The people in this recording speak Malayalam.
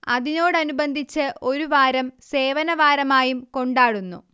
അതിനോടനിബന്ധിച്ച് ഒരു വാരം സേവനവാരമായും കൊണ്ടാടുന്നു